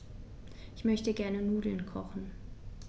Ich möchte gerne Nudeln kochen.